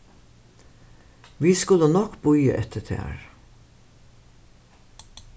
vit skulu nokk bíða eftir tær